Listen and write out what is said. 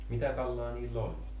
mitä kalaa niillä oli